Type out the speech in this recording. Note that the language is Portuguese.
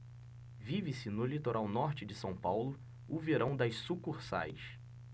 vive-se no litoral norte de são paulo o verão das sucursais